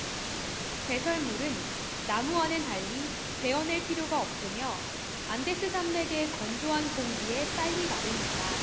배설물은 나무와는 달리 베어 낼 필요가 없으며 안데스 산맥의 건조한 공기에 빨리 마릅니다